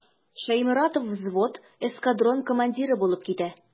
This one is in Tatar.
Шәйморатов взвод, эскадрон командиры булып китә.